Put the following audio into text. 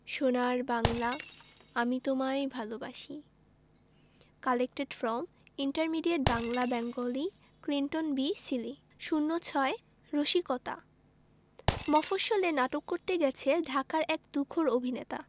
সোনার বাংলা আমি তোমায় ভালবাসি collected from intermediate Bangla Bengali Clinton be silly ০৬ রসিকতা মফশ্বলে নাটক করতে গেছে ঢাকার এক তুখোর অভিনেতা